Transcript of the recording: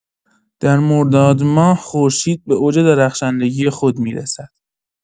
در مردادماه، خورشید به اوج درخشندگی خود می‌رسد.